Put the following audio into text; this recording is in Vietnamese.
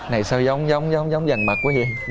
cái này sao giống giống giống giống dằn mặt quá vậy